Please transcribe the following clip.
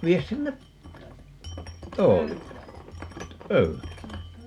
vie sinne tuolille pöydälle